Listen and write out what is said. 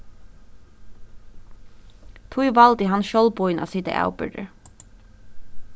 tí valdi hann sjálvboðin at sita avbyrgdur